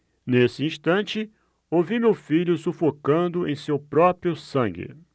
nesse instante ouvi meu filho sufocando em seu próprio sangue